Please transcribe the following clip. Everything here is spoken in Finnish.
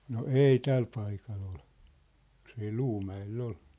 no ei tällä paikalla oli jos ei Luumäellä oli